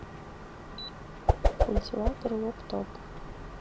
культиватор лоптоп